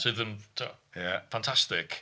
Sydd yn tibod... ia. ...ffantastig.